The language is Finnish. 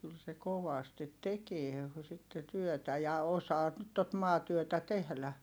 kyllä se kovasti tekee sitten työtä ja osaa tuota maatyötä tehdä